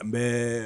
An bɛ